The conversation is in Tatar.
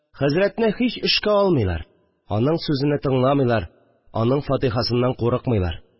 Хәзрәтне һич эшкә алмыйлар, аның сүзене тыңламыйлар, аның фатихасыннан курыкмыйлар